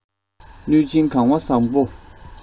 གནོད སྦྱིན གང བ བཟང པོ